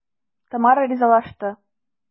Тамара ризалашты.